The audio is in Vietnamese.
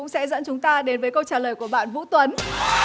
cũng sẽ dẫn chúng ta đến với câu trả lời của bạn vũ tuấn